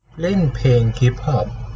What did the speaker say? เล่นเพลงฮิปฮอป